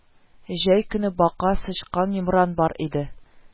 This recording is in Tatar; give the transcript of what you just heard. Җәй көне бака, сычкан, йомран бар иде